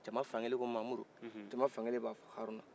ni jama fankelen ko mamudu jama fankelen b'a fo haruna